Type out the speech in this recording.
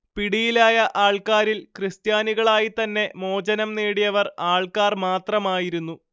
പിടിയിലായ ആൾക്കാരിൽ ക്രിസ്ത്യാനികളായിത്തന്നെ മോചനം നേടിയവർ ആൾക്കാർ മാത്രമായിരുന്നു